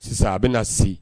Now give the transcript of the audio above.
Sisan a bɛ na se